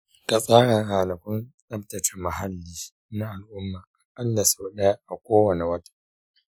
ka tsara ranakun tsaftace muhalli na al’umma aƙalla sau ɗaya a kowane wata.